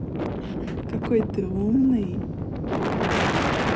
какой ты умный